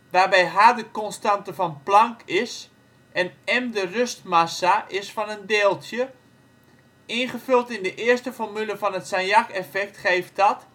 waarbij h de constante van Planck is en m {\ displaystyle m} de rustmassa is van een deeltje. Ingevuld in de eerdere formule van het Sagnac-effect geeft dat